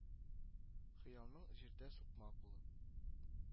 Хыялың жирдә сукмак булып